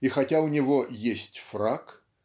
и хотя у него "есть фрак"